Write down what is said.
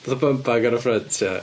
Fatha bum bag ar y ffrynt, ia.